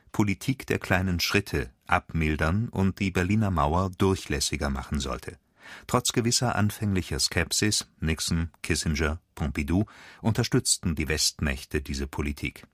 Politik der kleinen Schritte “abmildern und die Berliner Mauer durchlässiger machen sollte. Trotz gewisser anfänglicher Skepsis (Nixon, Kissinger, Pompidou) unterstützten die Westmächte diese Politik